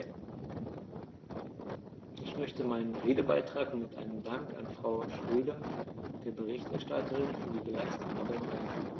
Ich möchte meinen Redebeitrag mit einem Dank an Frau Schroedter, der Berichterstatterin, für die geleistete Arbeit einleiten.